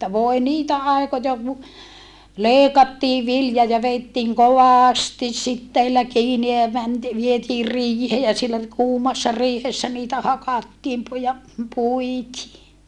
että voi niitä aikoja kun leikattiin vilja ja vedettiin kovasti siteillä kiinni ja - vietiin riiheen ja siellä kuumassa riihessä niitä hakattiin - ja puitiin